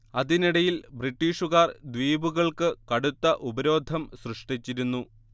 അതിനിടയിൽ ബ്രിട്ടീഷുകാർ ദ്വീപുകൾക്ക് കടുത്ത ഉപരോധം സൃഷ്ടിച്ചിരുന്നു